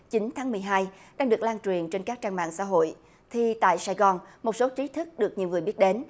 chín tháng mười hai đang được lan truyền trên các trang mạng xã hội thì tại sài gòn một số trí thức được nhiều người biết đến